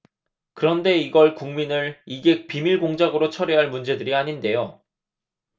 그런데 이걸 국민을 이게 비밀 공작으로 처리할 문제들이 아닌데요